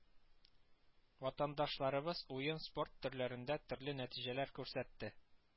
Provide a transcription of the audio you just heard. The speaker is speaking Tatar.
Ватандашларыбыз уен спорт төрләрендә төрле нәтиҗәләр күрсәтте